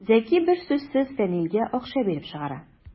Зәки бер сүзсез Фәнилгә акча биреп чыгара.